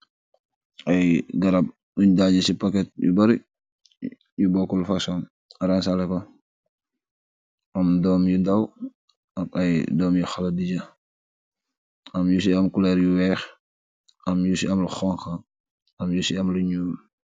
ay garab yuñ daajici paket yu barëg yu bokkul fason ransale ko am doom yu daw ak ay doom yu xala dija am yu ci am kuleer yu weex am yu ci am lu xonka am yu ci am lu ñuul